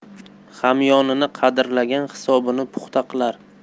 hamyonini qadrlagan hisobini puxta qilar